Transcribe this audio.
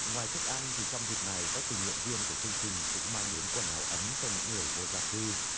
ngoài thức ăn thì trong dịp này các tình nguyện viên của chương trình cũng mang đến quần áo ấm cho những người vô gia cư